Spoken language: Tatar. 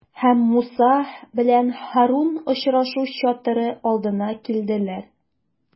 Һәм Муса белән Һарун очрашу чатыры алдына килделәр.